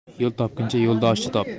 yo'l topguncha yo'ldosh top